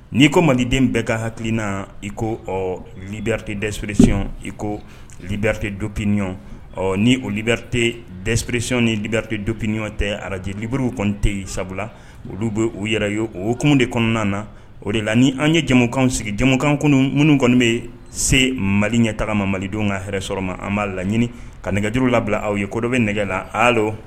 N'i ko maliden bɛɛ ka hakili na iko ɔ libbirite dasurresiyɔn iko libirite dɔpiyɔn ɔ ni olibbirite dapereresiyɔn ni birite dopiyɔn tɛ araj libururiwte sabula olu bɛ u yɛrɛ ye' ok de kɔnɔna na o de la ni an ye jɛkan sigi jamumukan minnu kɔni bɛ se mali ɲɛ taga ma malidenw ka hɛrɛɛrɛ sɔrɔ ma an b'a laɲini ka nɛgɛjuru labila aw ye ko dɔ bɛ nɛgɛla alo